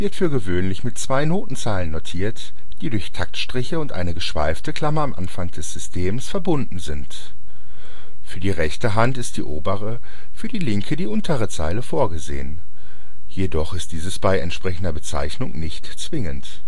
für gewöhnlich mit zwei Notenzeilen notiert, die durch Taktstriche und eine geschweifte Klammer am Anfang des Systems verbunden sind. Für die rechte Hand ist die obere, für die linke die untere Zeile vorgesehen, jedoch ist dieses bei entsprechender Bezeichnung nicht zwingend. Die